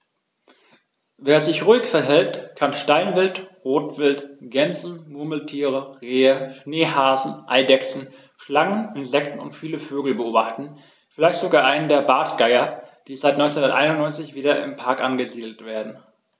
Wer sich ruhig verhält, kann Steinwild, Rotwild, Gämsen, Murmeltiere, Rehe, Schneehasen, Eidechsen, Schlangen, Insekten und viele Vögel beobachten, vielleicht sogar einen der Bartgeier, die seit 1991 wieder im Park angesiedelt werden.